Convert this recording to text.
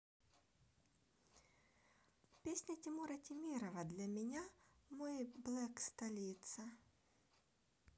песня тимура темирова для меня мой black столица